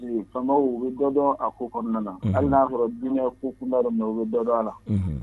Fanga bɛ dɔ a ko kɔnɔna na hali n'a sɔrɔ diɲɛ ko kunda yɔrɔ u bɛ dɔ dɔn a la